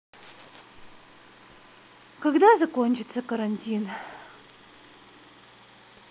когда закончится карантин